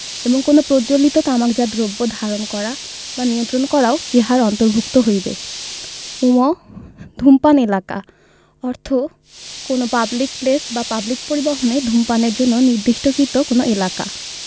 এবং কোন প্রজ্বলিত তামাকজাত দ্রব্য ধারণ করা বা নিয়ন্ত্রণ করাও ইহার অন্তর্ভুক্ত হইবে ঙ ধূমপান এলাকা অর্থ কোন পাবলিক প্লেস বা পাবলিক পরিবহণে ধূমপানের জন্য নির্দিষ্টকৃত কোন এলাকা